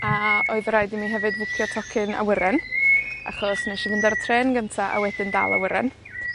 A oedd rhaid i mi hefyd fwcio tocyn awyren, achos nesh i fynd ar y trên gynta a wedyn dal awyren.